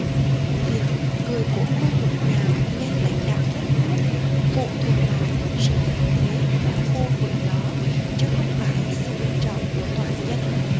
việc người của khu vực nào lên lãnh đạo đất nước phụ thuộc vào sự thắng thế của khu vực đó chứ không phải sự lựa chọn của toàn dân